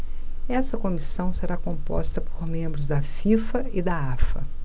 essa comissão será composta por membros da fifa e da afa